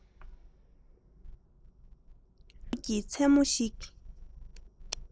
སྟོན མཇུག གི མཚན མོ ཞིག